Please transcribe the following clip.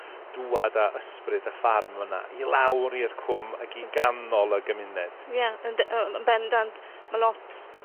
dŵad a ysbryd y ffarm fyna i lawr i'r cwm ag i ganol y gymuned. Ie yndy- yy yn bendant, ma' lot